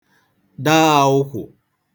dà àụkwụ̀